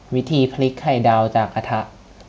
วิธีพลิกไข่ดาวจากกระทะ